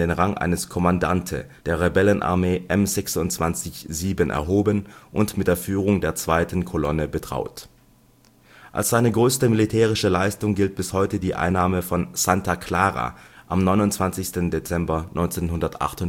Rang eines Comandante der Rebellenarmee M-26-7 erhoben und mit der Führung der II. Kolonne betraut. Als seine größte militärische Leistung gilt bis heute die Einnahme von Santa Clara am 29. Dezember 1958